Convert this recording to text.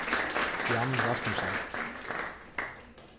jan rasmussen